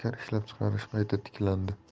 shakar ishlab chiqarish qayta tiklandi